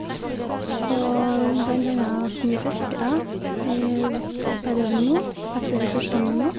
Og blant anna mye fiskere i perioden nå etter første juni.